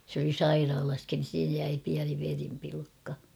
se oli sairaalassakin siihen jäi pieni verenpilkka